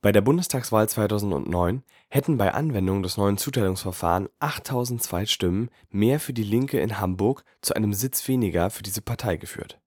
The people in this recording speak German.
der Bundestagswahl 2009 hätten bei Anwendung des neuen Zuteilungsverfahrens 8000 Zweitstimmen mehr für Die Linke in Hamburg zu einem Sitz weniger für diese Partei geführt